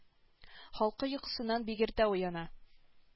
Халкы йокысыннан бик иртә уяна